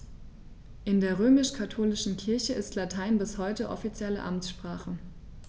In der römisch-katholischen Kirche ist Latein bis heute offizielle Amtssprache.